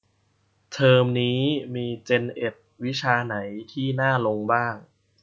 เทอมนี้มีเจ็นเอ็ดวิชาไหนที่น่าลงบ้าง